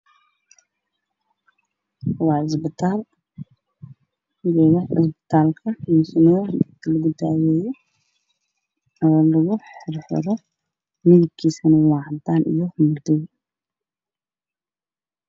Waa isbitaal waxaa yaalla qalabka shaybaarka midabkiis yahay cadaan waxaa ku dhigaan computer weyna da